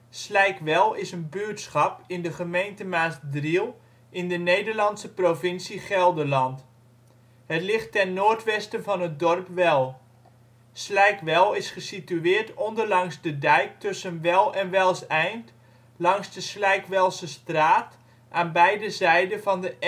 Slijkwell is een buurtschap in de gemeente Maasdriel in de Nederlandse provincie Gelderland. Het ligt ten noordwesten van het dorp Well. Slijkwell is gesitueerd onderlangs de dijk tussen Well en Wellseind langs de Slijkwellsestraat, aan beide zijden van de